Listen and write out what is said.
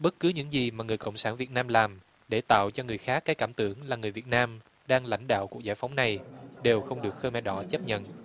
bất cứ những gì mà người cộng sản việt nam làm để tạo cho người khác gây cảm tưởng là người việt nam đang lãnh đạo của giải phóng này đều không được khơ me đỏ chấp nhận